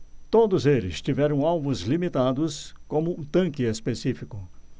todos eles tiveram alvos limitados como um tanque específico